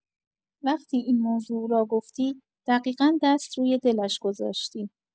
وقتی این موضوع را گفتی، دقیقا دست روی دلش گذاشتی.